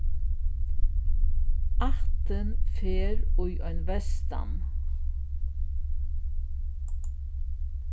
ættin fer í ein vestan